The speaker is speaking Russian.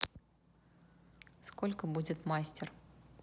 сколько будет master